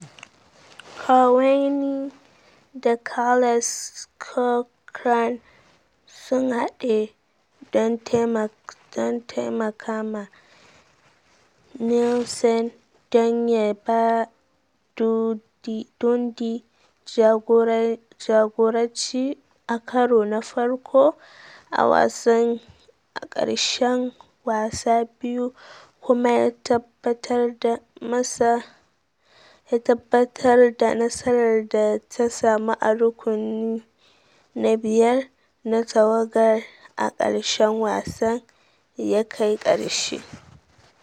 Cownie da Charles Corcoran sun hade don taimakama Nielsen don ya ba Dundee jagoraci a karo na farko a wasan a karshen wasa biyu kuma ya tabbatar da nasarar da ta samu a rukuni na biyar na tawagar a karshen wasa yakai karshe.